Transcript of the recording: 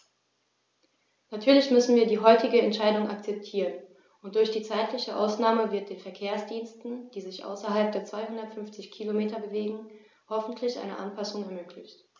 Natürlich müssen wir die heutige Entscheidung akzeptieren, und durch die zeitliche Ausnahme wird den Verkehrsdiensten, die sich außerhalb der 250 Kilometer bewegen, hoffentlich eine Anpassung ermöglicht.